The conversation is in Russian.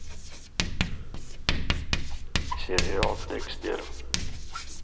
сериал декстер